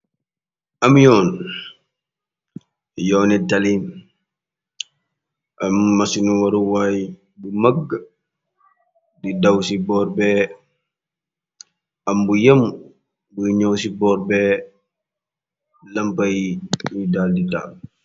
Am yoon, yooni tali, am masinu waruwaay bu mëgg di daw ci boor bee, am bu yem buy ñaaw ci boor bee, lampa yi ñu dal di taal.